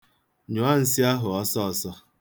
Nyụọ nsị ahụ ọsọ ọsọ.